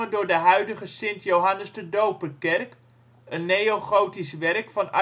door de huidige Sint-Johannes de Doperkerk, een neogotisch werk van